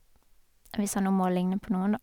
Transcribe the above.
Hvis han nå må ligne på noen, da.